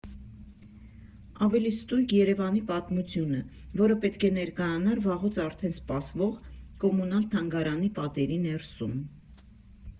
Ավելի ստույգ՝ Երևանի պատմությունը, որը պետք է ներկայանար վաղուց արդեն սպասվող՝ Կոմունալ թանգարանի պատերի ներսում։